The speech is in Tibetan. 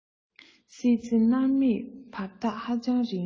སྲིད རྩེ མནར མེད བར ཐག ཧ ཅང རིང